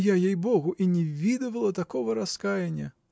Я, ей-богу, и не видывала такого раскаяния!